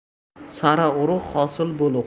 sara urug' hosili bo'lug'